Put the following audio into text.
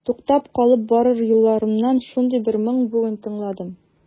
Туктап калып барыр юлларымнан шундый бер моң бүген тыңладым.